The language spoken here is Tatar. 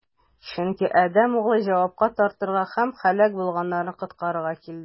Чөнки Адәм Углы җавапка тартырга һәм һәлак булганнарны коткарырга килде.